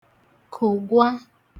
kụ̀gwa